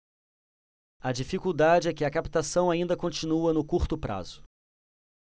a dificuldade é que a captação ainda continua no curto prazo